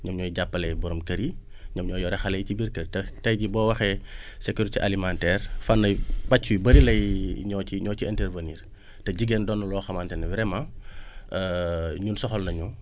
ñoom ñooy jàppale borom kër yi ñoom ñooy yore xale yi ci biir kër te tey jii boo waxee sécurité alimentaire fànn yu pàcc yu bëri lay ñoo ciy ñoo ciy intervenir te jigéen doon na loo xamante ne vraiment ñun soxal na ñu